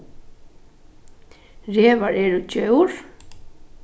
revar eru djór